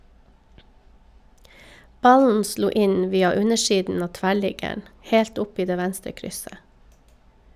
Ballen slo inn via undersiden av tverrliggeren helt oppi det venstre krysset.